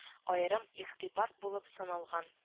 Аерым игътибар булып саналган